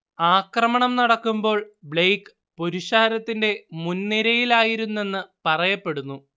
ആക്രമണം നടക്കുമ്പോൾ ബ്ലെയ്ക്ക് പുരുഷാരത്തിന്റെ മുൻനിരയിലായിരുന്നെന്ന് പറയപ്പെടുന്നു